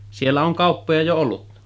Siellä on kauppoja jo ollut